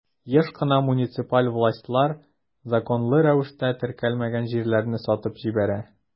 Еш кына муниципаль властьлар законлы рәвештә теркәлмәгән җирләрне сатып җибәрә.